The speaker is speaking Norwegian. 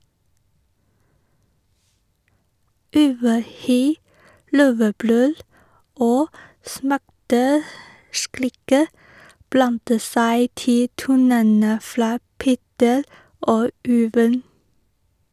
Ulvehyl, løvebrøl og smerteskrik blandet seg til tonene fra "Peter og Ulven".